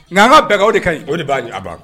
Nka anan ka bɛɛ de ka o de b'a a ban